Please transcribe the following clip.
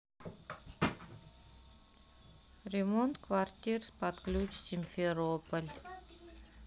ремонт квартир под ключ симферополь